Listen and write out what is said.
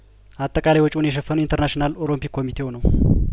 አጠቃላይ ወጪውን የሸፈነው ኢንተርናሽናል ኦሎምፒክ ኮሚቴው ነው